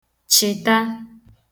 chị̀ta